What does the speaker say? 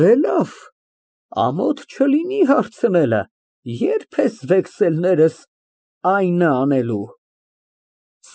Դե լավ, ամոթ չլինի հարցնելը ֊ ե՞րբ ես վեքսելներս այնա անելու։